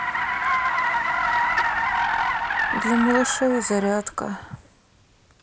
для малышей зарядка